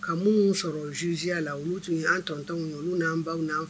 Ka minnu sɔrɔ zzya la olu tun anantanw ye olu'an baw n'an